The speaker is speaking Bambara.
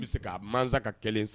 N bɛ se ka masa ka kelen san